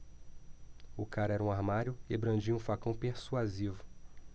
o cara era um armário e brandia um facão persuasivo